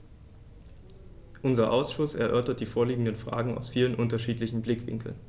Unser Ausschuss erörtert die vorliegenden Fragen aus vielen unterschiedlichen Blickwinkeln.